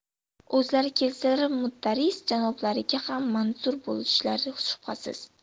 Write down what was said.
o'zlari kelsalar mudarris janoblariga ham manzur bo'lishlari shubhasiz